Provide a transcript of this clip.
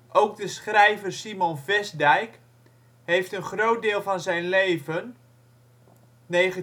Ook de schrijver Simon Vestdijk heeft een groot deel van zijn leven (1939-1971